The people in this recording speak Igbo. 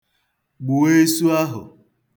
Gbuo esu ahụ.